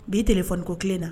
' t fɔ ko kelen na